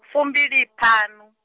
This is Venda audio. fumbiliṱhanu.